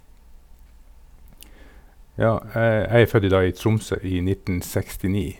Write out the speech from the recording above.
Ja, jeg er født i da i Tromsø i nitten sekstini.